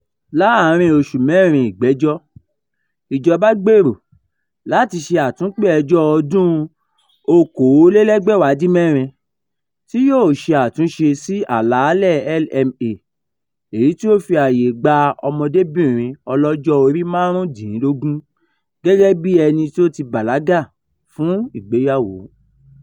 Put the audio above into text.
Láàárín oṣù mẹ́rin ìgbẹ́jọ́, ìjọba gbèrò láti ṣe àtúnpè-ẹjọ́ ọdún-un 2016 tí yó ṣe àtúnṣe sí àlàálẹ̀ LMA èyí tí ó fi àyè gba ọmọdébìnrin ọlọ́jọ́-orí márùn-úndínlógún gẹ́gẹ́ bí ẹni tí ó ti bàlágà fún ìgbéyàwó.